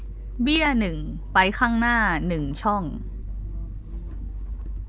เบี้ยหนึ่งไปข้างหน้าหนึ่งช่อง